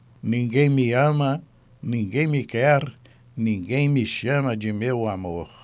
ninguém me ama ninguém me quer ninguém me chama de meu amor